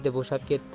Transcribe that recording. tegdi bo'shab ketdim